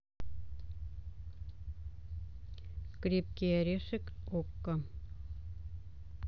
крепкий орешек окко